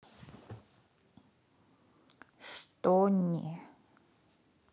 что не